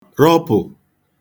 rọpụ̀